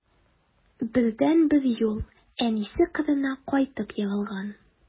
Бердәнбер юл: әнисе кырына кайтып егылган.